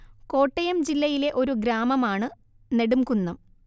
കോട്ടയം ജില്ലയിലെ ഒരു ഗ്രാമമാണ്‌ നെടുംകുന്നം